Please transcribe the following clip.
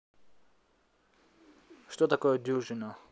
что такое дюжина